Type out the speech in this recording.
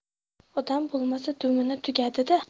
odam bo'lmasa dumini tugadi da